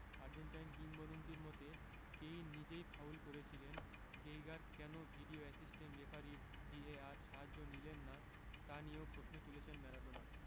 Argentine কিংবদন্তির মতে Kane নিজেই ফাউল করেছিলেন গেইগার কেন ভিডিও অ্যাসিস্ট্যান্ট রেফারির ভিএআর সাহায্য নিলেন না তা নিয়েও প্রশ্ন তুলেছেন ম্যারাডোনা